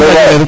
alo wa